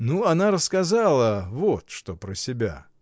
— Ну, она рассказала вот что про себя.